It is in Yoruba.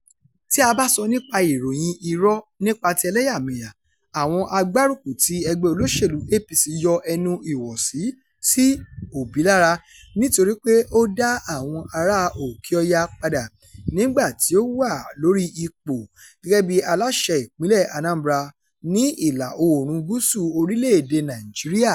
Tí a bá sọ nípa ìròyìn irọ́ nípa ti ẹlẹ́yàmẹyà, àwọn agbárùkù ti ẹgbẹ́ olóṣèlúu APC yọ ẹnu ìwọ̀sí sí Obi lára nítorí pé ó dá àwọn ará òkè Ọya padà nígbà tí ó wà lórí ipò gẹ́gẹ́ bí aláṣẹ Ìpínlẹ̀ Anambra, ní ìlà-oòrùn gúúsù orílẹ̀-èdèe Nàìjíríà.